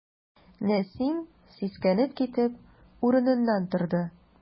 Нәсим, сискәнеп китеп, урыныннан торды.